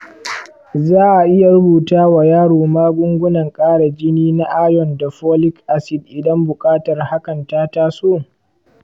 za a iya rubuta wa yaro magungunan ƙara jini na iron da folic acid idan buƙatar hakan ta taso.